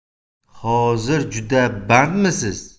hozir juda bandmisiz